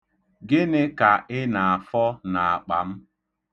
Gịnị ka ị na-afọ n'akpa m?